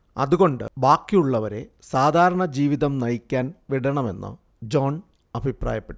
അതുകൊണ്ട് ബാക്കിയുള്ളവരെ സാധാരണ ജീവിതം നയിക്കാൻ വിടണമെന്ന് ജോൺ അഭിപ്രായപ്പെട്ടു